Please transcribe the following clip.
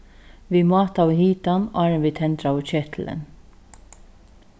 vit mátaðu hitan áðrenn vit tendraðu ketilin